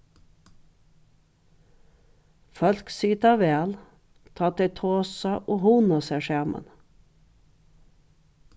fólk sita væl tá tey tosa og hugna sær saman